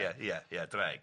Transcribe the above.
Ia ia ia draig.